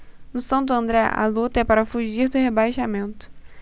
no santo andré a luta é para fugir do rebaixamento